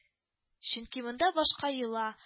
Чөнки монда башка йола